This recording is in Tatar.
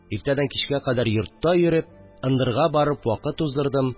Иртәдән кичкә кадәр йортта йөреп, ындырга барып вакыт уздырдым